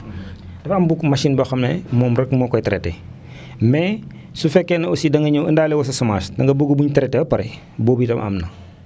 dafa am machine boo xam ne moom rek moo koy traité mais su fekkee ne aussi da nga ñëw indaalewoo sa semence da nga bëgg bu ñu traité ba pare boobu itam am na